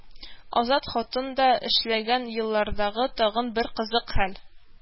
«азат хатын»да эшләгән еллардагы тагын бер кызык хәл